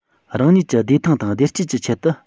རང ཉིད ཀྱི བདེ ཐང དང བདེ སྐྱིད ཀྱི ཆེད དུ